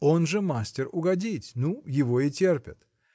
Он же мастер угодить, ну, его и терпят.